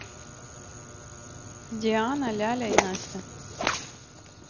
диана ляля и настя